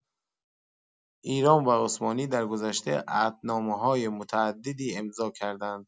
ایران و عثمانی درگذشته عهدنامه‌های متعددی امضا کردند.